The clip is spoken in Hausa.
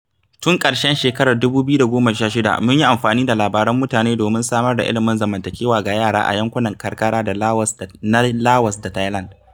Tun ƙarshen shekarar 2016, mun yi amfani da labaran mutane domin samar da ilimin zamantakewa ga yara a yankunan karkara na Laos da Thailand.